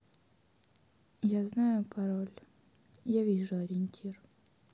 я знаю пароль я вижу ориентир